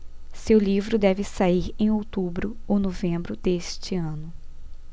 seu livro deve sair em outubro ou novembro deste ano